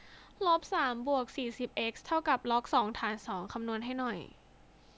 ลบสามบวกสี่สิบเอ็กซ์เท่ากับล็อกสองฐานสองคำนวณให้หน่อย